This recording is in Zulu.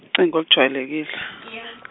ucingo olujwayelekile .